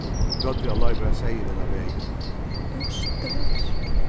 brádliga loypur ein seyður inn á vegin